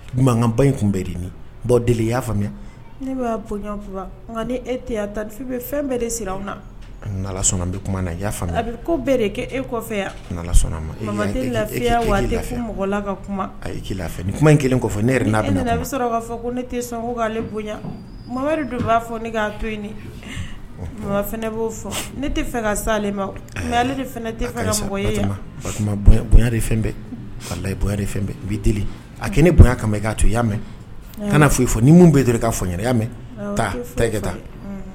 Ba in tun bɛ deli i y'a faamuya ne' e tɛ ta bɛ fɛn bɛɛ de an na sɔn bɛ kuma na a ko bɛɛ de kɛ e yan lafiya kuma' lafi ni kuma in kelen ne sɔrɔ b'a fɔ ko ne tɛ sɔn'ale bonya mama b'a fɔ ne k' to kuma b'o fɔ ne tɛ fɛ ka sa ma ale bonya layi i bɛ a ne bonya i k'a to iya mɛn kana foyi fɔ ni min bɛ i k'a fɔya mɛn taa taa